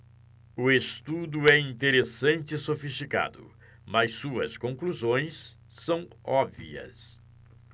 o estudo é interessante e sofisticado mas suas conclusões são óbvias